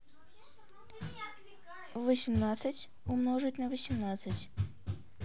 восемнадцать умножить на восемнадцать